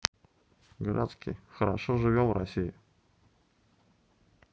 градский хорошо живем в россии